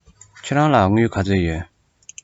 ཁྱེད རང ལ དངུལ ག ཚོད ཡོད